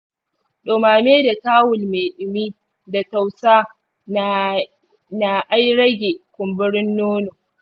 dumame da tawul mai dumi da tausa na iay rage kumburin nono.